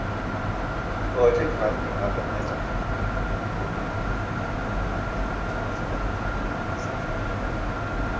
Die Beute greifen die Adler meist auf dem Boden oder im bodennahen Luftraum und töten sie mit den außerordentlich kräftigen Zehen und Krallen.